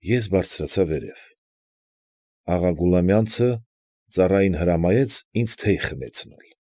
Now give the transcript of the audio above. Ես բարձրացա վերև։ Աղա Գուլամյանցը ծառային հրամայեց ինձ թեյ խմեցնել։